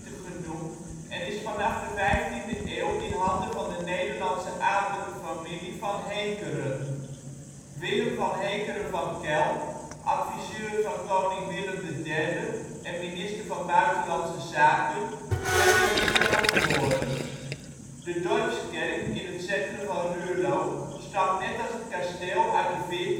genoemd en is vanaf de 15e eeuw in handen van de Nederlandse adellijke familie Van Heeckeren. Willem van Heeckeren van Kell, adviseur van koning Willem III en minister van Buitenlandse Zaken, werd in Ruurlo geboren. De Dorpskerk in het centrum van Ruurlo stamt net als het kasteel uit de 14e eeuw. Veel